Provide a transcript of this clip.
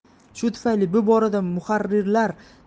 shu tufayli bu boradagi muharrirlar